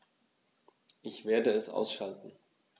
Ich werde es ausschalten